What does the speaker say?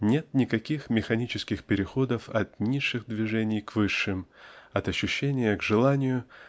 нет никаких механических переходов от низших движений к высшим от ощущения к желанию